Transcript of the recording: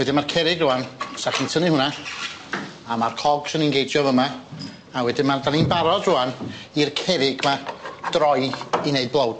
Wedyn ma'r cerrig rŵan 'sa chi'n tynnu hwnna a ma'r cogs yn ingeijio fyma a wedyn ma'r... 'da ni'n barod rŵan i'r cerrig ma' droi i neud blowd.